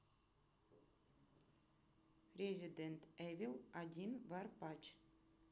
resident evil один варпач